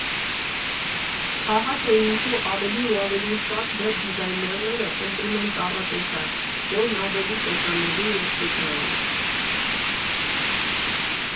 Ահա թե ինչու ավելի ու ավելի շատ վեբ դիզայներներ ընտրում են տառատեսակ, որն ավելի տեսանելի է էկրանին։